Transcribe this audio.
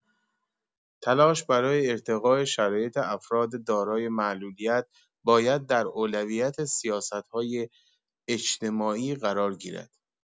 تلاش برای ارتقاء شرایط افراد دارای معلولیت باید در اولویت سیاست‌های اجتماعی قرار گیرد.